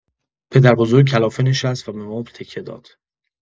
پدربزرگ کلافه نشست و به مبل تکیه داد.